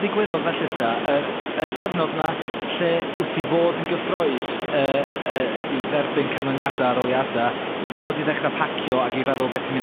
ddigwyddodd felly ta? Yr, y cyfnod 'na lle wt ti fod yn gyffrous, yy yy i dderbyn canlyniada aroliada, i fod i ddechra pacio, ac i feddwl be' ti mynd